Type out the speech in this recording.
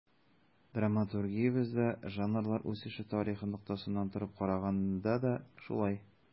Драматургиябездә жанрлар үсеше тарихы ноктасынан торып караганда да шулай.